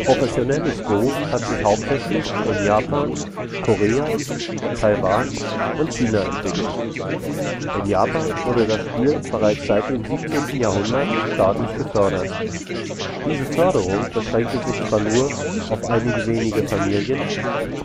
Professionelles Go hat sich hauptsächlich in Japan, Korea, Taiwan und in China entwickelt. In Japan wurde das Spiel bereits seit dem 17. Jh. staatlich gefördert. Diese Förderung beschränkte sich zwar nur auf einige wenige Familien,